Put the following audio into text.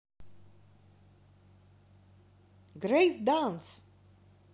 grace dance